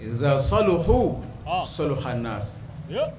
Zan salon h salon haanasi